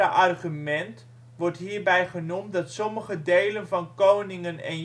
argument wordt hierbij genoemd dat sommige delen van Koningen en